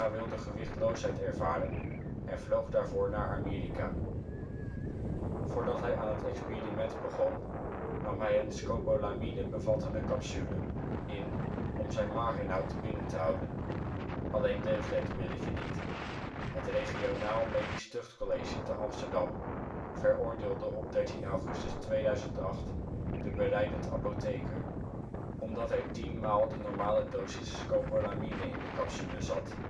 wilde gewichtloosheid ervaren en vloog daarvoor naar Amerika. Voordat hij aan het experiment begon, nam hij een scopolamine bevattende capsule in om zijn maaginhoud binnen te houden. Alleen deugde het pilletje niet. Het Regionaal Medisch Tuchtcollege te Amsterdam veroordeelde op 13 augustus 2008 de bereidend apotheker omdat er 10 maal de normale dosis scopolamine in de capsule zat